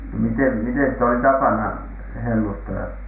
no miten miten sitä oli tapana hellustaa